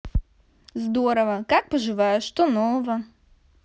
здорово как поживаешь что нового